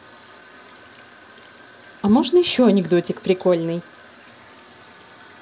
а можно еще анекдотик прикольный